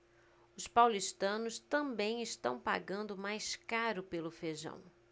os paulistanos também estão pagando mais caro pelo feijão